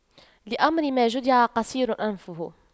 لأمر ما جدع قصير أنفه